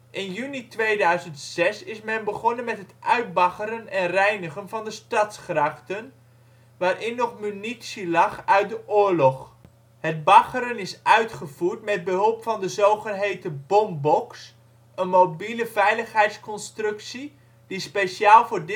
juni 2006 is men begonnen met het uitbaggeren en reinigen van de stadsgrachten, waarin nog munitie lag uit de oorlog. Het baggeren is uitgevoerd met behulp van de zogeheten Bombox, een mobiele veiligheidsconstructie die speciaal voor